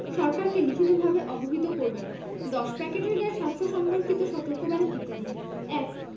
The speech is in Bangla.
সরকারকে লিখিতভাবে অবহিত করিবেন ১০ প্যাকেটের গায়ে স্বাস্থ্য সম্পর্কিত সতর্কবাণী ইত্যাদিঃ ১